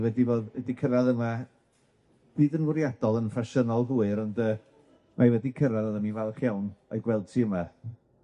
### wedi bod wedi cyrradd yma, nid yn fwriadol yn ffasiynol hwyr, ond yy mae wedi cyrradd a 'danni falch iawn o'i gweld hi yma.